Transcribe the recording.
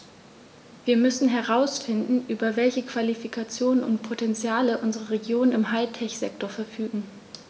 Wir müssen herausfinden, über welche Qualifikationen und Potentiale unsere Regionen im High-Tech-Sektor verfügen.